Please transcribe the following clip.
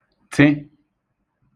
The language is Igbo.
tị